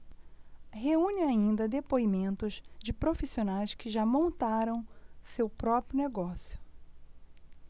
reúne ainda depoimentos de profissionais que já montaram seu próprio negócio